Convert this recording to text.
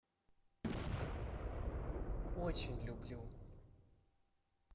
очень люблю